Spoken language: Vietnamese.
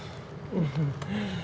ui tình